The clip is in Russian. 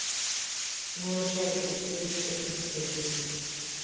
малышарики серия сто пятьдесят девять